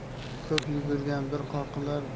ko'p yuguigan bir qoqilar